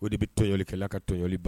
O de bi tɔɲɔlikɛ la ka tɔɲɔli ban.